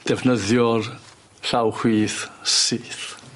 defnyddio'r llaw chwith syth.